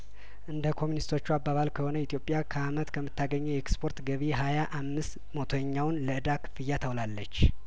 እንደ ኢኮን ሚስቶቹ አባባል ከሆነ ኢትዮጵያ ከአመት ከምታገኘው የኤክስፖርት ገቢ ሀያ አምስት ሞቶኛውን ለእዳ ክፍያ ታውላለች